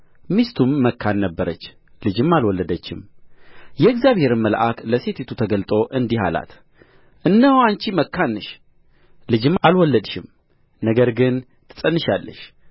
ሚስቱም መካን ነበረች ልጅም አልወለደችም የእግዚአብሔርም መልአክ ለሴቲቱ ተገልጦ እንዲህ አላት እነሆ አንቺ መካን ነሽ ልጅም አልወለድሽም ነገር ግን ትፀንሻለሽ